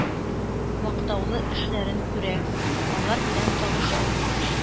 Мактаулы эшләрен күрә, алар белән таныша.